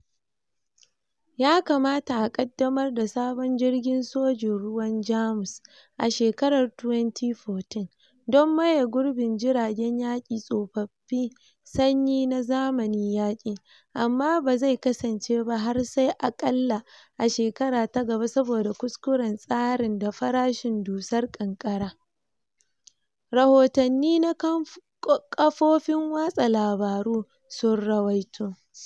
Ya kamata a kaddamar da sabon jirgin Sojin ruwan Jamus a shekarar 2014 don maye gurbin jiragen yaki tsofaffi Sanyi na zamani yaki. amma ba zai kasance ba har sai a kalla a shekara ta gaba saboda kuskuren tsarin da farashin dusar ƙanƙara, rahotanni na kafofin watsa labaru sun ruwaito.